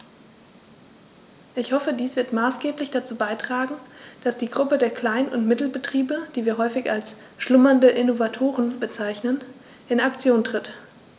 Ich hoffe, dies wird maßgeblich dazu beitragen, dass die Gruppe der Klein- und Mittelbetriebe, die wir häufig als "schlummernde Innovatoren" bezeichnen, in Aktion tritt.